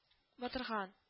Батырхан